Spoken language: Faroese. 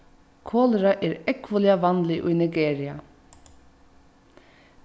kolera er ógvuliga vanlig í nigeria